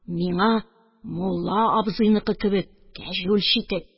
Миңа – мулла абзыйныкы кебек кәҗүл читек